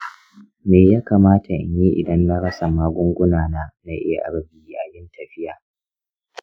me ya kamata in yi idan na rasa magungunana na arv yayin tafiya?